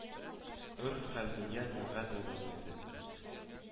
Ыр һәм дөнья сәнгать мәдәнияте